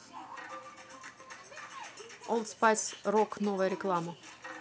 олд спайс рок новая реклама